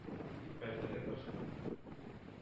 — дип гаепләргә тырышты.